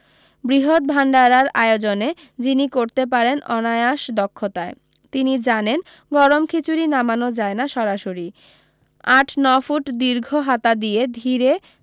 বৃহত ভাণ্ডারার আয়োজন যিনি করতে পারেন অনায়াস দক্ষতায় তিনি জানেন গরম খিচুড়ি নামানো যায় না সরাসরি আট ন ফুট দীর্ঘ হাতা দিয়ে ধীরে